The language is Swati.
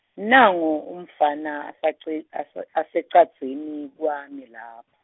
nangu umfana asace- asa- asecadzini kwami lapha.